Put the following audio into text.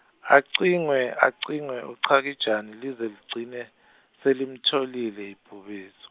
acingwe, acingwe uChakijana lize ligcine, selimtholile ibhubesi.